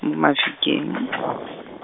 m- Mafikeng.